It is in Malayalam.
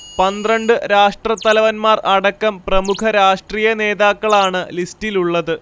പന്ത്രണ്ട് രാഷ്ട്രത്തലവന്മാർ അടക്കം പ്രമുഖ രാഷ്ട്രീയ നേതാക്കളാണ് ലിസ്റ്റിലുള്ളത്